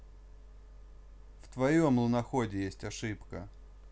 в твоем луноходе есть ошибка